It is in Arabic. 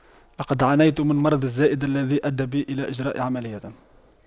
لقد عانيت من مرض الزائدة الذي أدى بي إلى إجراء عملية